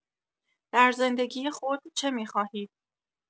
در زندگی خود چه می‌خواهید؟